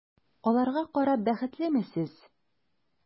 Аларга карап бәхетлеме сез?